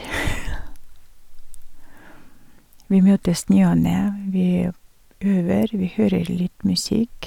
Vi møtes ny og ne, vi øver, vi hører litt musikk.